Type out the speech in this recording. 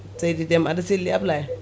seydi Déme aɗa selli Abalye